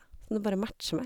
Som du bare matcher med.